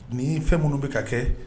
Nin ye n fɛn minnu bɛ ka kɛ